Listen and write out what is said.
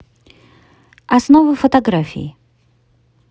основы фотографии